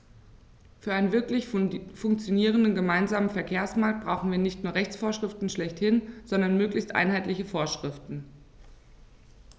Für einen wirklich funktionierenden gemeinsamen Verkehrsmarkt brauchen wir nicht nur Rechtsvorschriften schlechthin, sondern möglichst einheitliche Vorschriften.